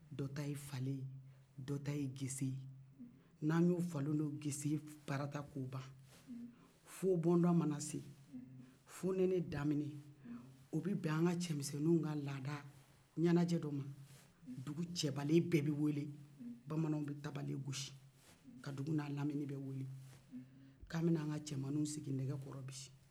dɔ ta ye falen ye dɔ ta ye gese ye n'an y'o falen n'o gese parata k'o ban fonɛnɛ mana se o bɛ bɛn an ka cɛmaniw ka lada ɲɛnajɛ dɔ ma dugu cɛbalen bɛɛ bɛ wele bamananw bɛ tabale gosi ka dugu n'a lamini bɛɛ wele k'an bɛn'a ka cɛmaniw sigi nɛgɛ kɔrɔ bi